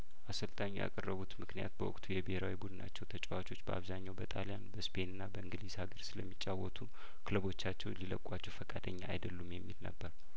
አሰልጣኝ ያቀረቡት ምክንያት በወቅቱ የብሄራዊ ቡድናቸው ተጫዋቾች በአብዛኛው በጣልያን በስፔንና በእንግሊዝ ሀገር ስለሚጫወቱ ክለቦቻቸው ሊለቋቸው ፍቃደኛ አይደሉም የሚል ነበር